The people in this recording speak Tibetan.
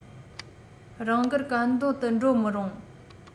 རང དགར གང འདོད དུ འགྲོ མི རུང